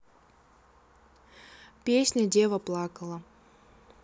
песня дева плакала